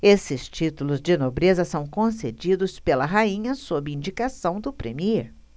esses títulos de nobreza são concedidos pela rainha sob indicação do premiê